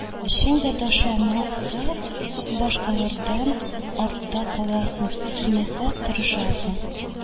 Өчен дә ташлама юк, башкалардан артта каласың килмәсә, тырышасың